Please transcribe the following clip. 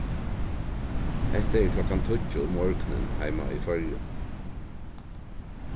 hetta er klokkan tíggju um morgunin heima í føroyum